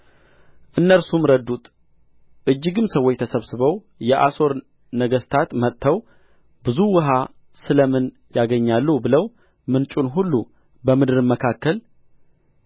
እነርሱም ረዱት እጅግም ሰዎች ተሰብስበው የአሦር ነገሥታት መጥተው ብዙ ውኃ ስለ ምን ያገኛሉ ብለው ምንጩን ሁሉ በምድርም መካከል